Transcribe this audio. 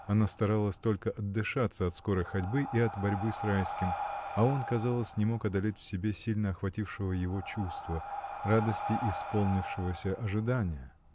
Она старалась только отдышаться от скорой ходьбы и от борьбы с Райским, а он, казалось, не мог одолеть в себе сильно охватившего его чувства — радости исполнившегося ожидания.